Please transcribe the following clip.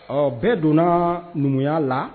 Ɔn bɛɛ donna numuya la.